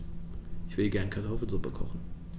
Ich will gerne Kartoffelsuppe kochen.